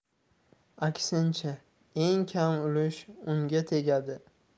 aksincha eng kam ulush unga tegadi